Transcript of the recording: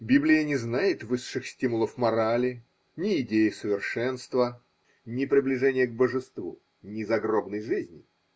Библия не знает высших стимулов морали – ни идеи совершенства, ни приближения к божеству, ни загробной жизни.